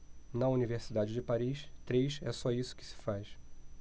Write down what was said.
na universidade de paris três é só isso que se faz